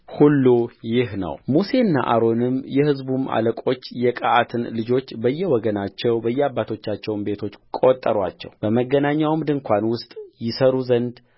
ሁሉ ይህ ነውሙሴና አሮንም የሕቡም አለቆች የቀዓትን ልጆች በየወገናቸው በየአባቶቻቸውም ቤቶች ቈጠሩአቸውበመገናኛው ድንኳን ውስጥ ይሠሩ ዘንድ